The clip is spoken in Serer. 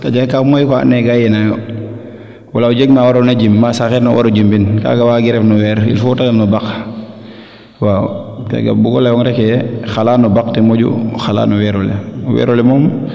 ka jega mayu faa ando naye kaa yeno yo wala o jega nga kaa waroona jimin kaaga waage ref no xeer il faut te ref no baq waw kaaga bugo ngo leye reke xala no baq ten moƴu xala no weero le weero le moom